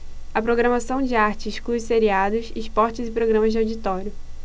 a programação da arte exclui seriados esportes e programas de auditório